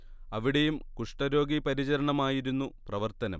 അവിടേയും കുഷ്ടരോഗി പരിചരണമായിരുന്നു പ്രവർത്തനം